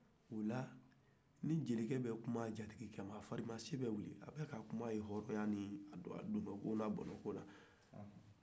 o la ni jelikɛ bɛ kuma a jagikɛ fɛ a farisi bɛ wuli a bɛ ka kum'a fɛ a diyana ko n'a goyana ko de kan